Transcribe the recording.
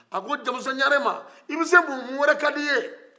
a ko jamusa ɲare ma i bɛ se mun mun wɛrɛ ka di i ye